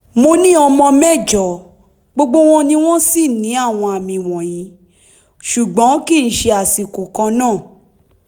"Mo ní ọmọ mẹ́jọ, gbogbo wọn ni wọ́n sì ní àwọn àmì wọ̀nyìí, ṣùgbọ́n kìí ṣe àsìkò kan náà."